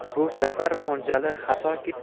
bu safar mo'ljali xato ketdi